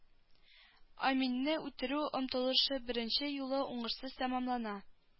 Аминне үтерү омтылышы беренче юлы уңышсыз тәмамлана